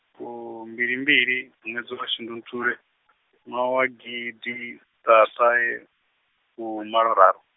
fumbilimbili, ṅwedzi wa shundunthule, ṅwaha wa gidiḓaṱahefumaloraru.